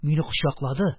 Мине кочаклады,